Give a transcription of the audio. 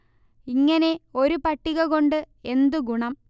ഇങ്ങനെ ഒരു പട്ടിക കൊണ്ട് എന്തു ഗുണം